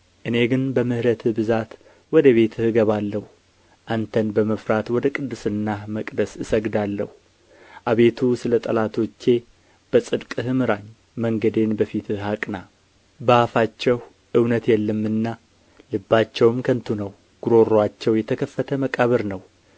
እኔ ግን በምሕረትህ ብዛት ወደ ቤትህ እገባለሁ አንተን በመፍራት ወደ ቅድስናህ መቅደስ እሰግዳለሁ አቤቱ ስለ ጠላቶቼ በጽድቅህ ምራኝ መንገዴን በፊትህ አቅና በአፋቸው እውነት የለምና ልባቸውም ከንቱ ነው ጕሮሮአቸው የተከፈተ መቃብር ነው